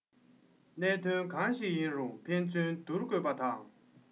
གནད དོན གང ཞིག ཡིན རུང ཕན ཚུན སྡུར དགོས པ དང